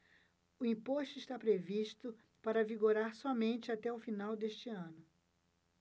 o imposto está previsto para vigorar somente até o final deste ano